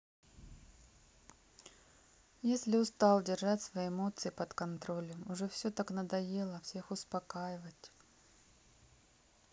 если устал держать свои эмоции под контролем уже все так надоело всех успокаивать